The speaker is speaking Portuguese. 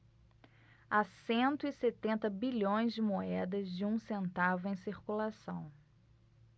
há cento e setenta bilhões de moedas de um centavo em circulação